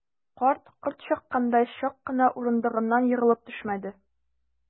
Карт, корт чаккандай, чак кына урындыгыннан егылып төшмәде.